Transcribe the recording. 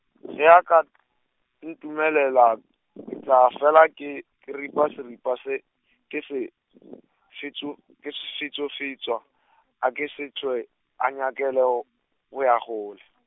ge aka ntumelela, ke tla fela ke ke ripa seripa se, ke se, fetšo-, ke s- fetšo- fetšwa a ke se hlwe a nyakele o o ya kgole.